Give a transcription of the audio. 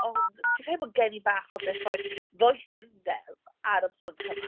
Ond dwi'n credu bod gen i bach o ddoeth- ddoethindeb ar y pwnc yma.